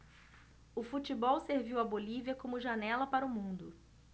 o futebol serviu à bolívia como janela para o mundo